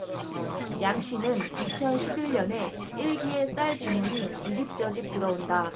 양씨는 이천 십 일 년에 일기에 쌀 주문이 이집저집 들어온다